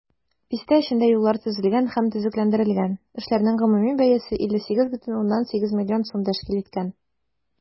Бистә эчендә юллар төзелгән һәм төзекләндерелгән, эшләрнең гомуми бәясе 58,8 миллион сум тәшкил иткән.